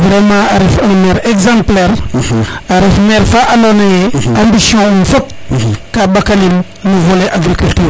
vraiment a ref maire exemplaire a ref maire fa ando naye ambision um fop ka mbakanin no volet agriculture